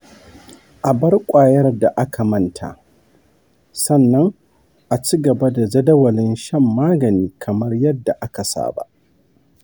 a bar ƙwayar da aka manta, sannan a ci gaba da jadawalin shan magani kamar yadda aka saba.